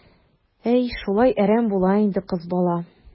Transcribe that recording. Әй, шулай әрәм була инде кыз бала.